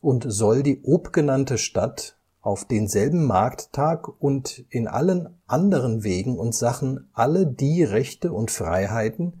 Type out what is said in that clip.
und soll die obgenannte Stadt auf denselben Markttag und in allen anderen Wegen und Sachen alle die Rechte und Freiheiten